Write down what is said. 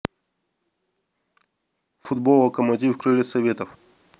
футбол локомотив крылья советов